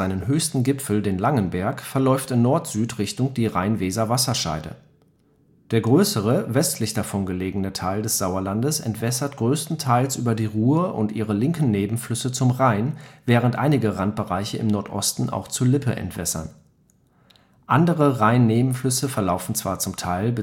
höchsten Gipfel, den Langenberg, verläuft in Nord-Süd-Richtung die Rhein-Weser-Wasserscheide. Der größere, westlich davon gelegene Teil des Sauerlandes entwässert größtenteils über die Ruhr und ihre linken Nebenflüsse zum Rhein, während einige Randbereiche im Nordosten auch zur Lippe entwässern. Andere Rhein-Nebenflüsse verlaufen zwar zum Teil